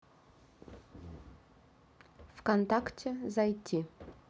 вконтакте зайти